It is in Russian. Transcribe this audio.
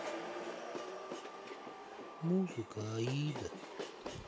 музыка аида